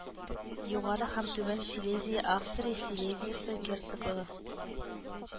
Югары һәм Түбән Силезия Австрия Силезиясе герцоглыгы